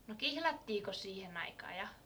no kihlattiinkos siihen aikaan ja